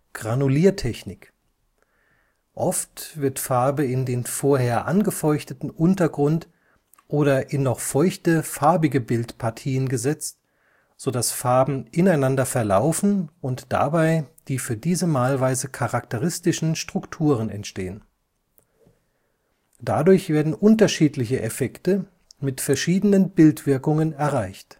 Granuliertechnik). Oft wird Farbe in den vorher angefeuchteten Untergrund oder in noch feuchte farbige Bildpartien gesetzt, so dass Farben ineinander verlaufen und dabei die für diese Malweise charakteristischen Strukturen entstehen. Dadurch werden unterschiedliche Effekte mit verschiedenen Bildwirkungen erreicht